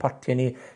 potie ni,